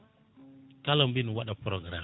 kala mbina waɗa programme